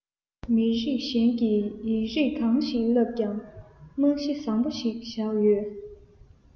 མི རིགས གཞན གྱི ཡིག རིགས གང ཞིག བསླབ ཀྱང རྨང གཞི བཟང བོ ཞིག བཞག ཡོད